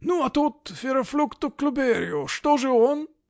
-- Ну, а тот феррофлукто Клуберио, что же он?